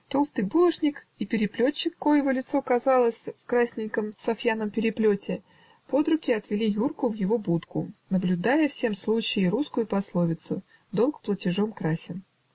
Толстый булочник и переплетчик, коего лицо Казалось в красненьком сафьянном переплете, под руки отвели Юрку в его будку, наблюдая в сем случае русскую пословицу: долг платежом красен.